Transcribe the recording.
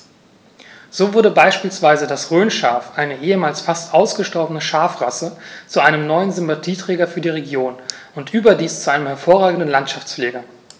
So wurde beispielsweise das Rhönschaf, eine ehemals fast ausgestorbene Schafrasse, zu einem neuen Sympathieträger für die Region – und überdies zu einem hervorragenden Landschaftspfleger.